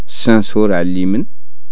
السانسور عليمن